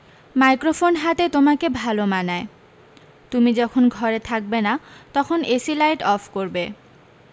microphone হাতে তোমাকে ভালো মানায় তুমি যখন ঘরে থাকবে না তখন এসি লাইট অফ করবে